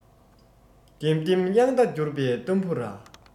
ལྡེམ ལྡེམ དབྱངས རྟ འགྱུར བའི ཏམ བུ ར